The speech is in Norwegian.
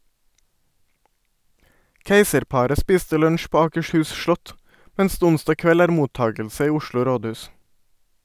Keiserparet spiste lunsj på Akershus slott, mens det onsdag kveld er mottakelse i Oslo rådhus.